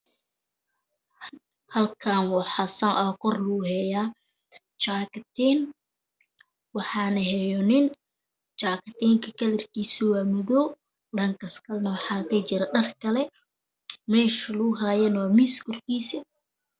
Halkan wax kor lugu haya jakatiin waxan hayo nin kalar kisi waa madow dhankas wax kajiro dhar kale mesh laku hayo waa mis korkis